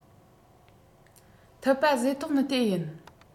ཐུབ པ བཟོས ཐོག ནས ལྟས ཡིན